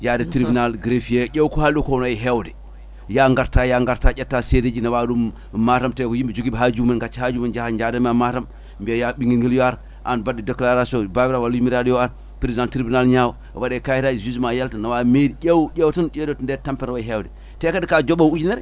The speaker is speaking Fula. yaade tribunal greffier ƴeew ko haali ɗo ko no wayi hewde ya garta ya garta ƴetta seedeji nawa ɗum Matam te ko ymɓe joguiɓe hajuji mumen gacca hajuji mumen jadayema Matam mbiya ya ɓinguel guel yo ar' an baɗɗo déclaration babiraɗo walla yummiraɗo yo ar' président tribunal ñawa waɗe kayitaji jugement yalta nawa mairie ƴeew ƴeew tan ɗeɗo nden tampere wayi hewde te kadi ka joɓowo ujunere